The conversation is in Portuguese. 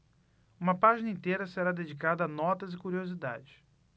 uma página inteira será dedicada a notas e curiosidades